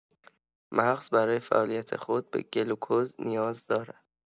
مغز برای فعالیت خود به گلوکز نیاز دارد؛